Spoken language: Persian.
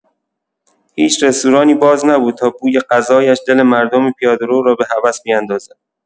هیچ رستورانی باز نبود تا بوی غذایش دل مردم پیاده‌رو را به هوس بیندازد.